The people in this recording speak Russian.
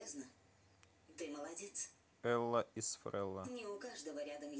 элла из фрелла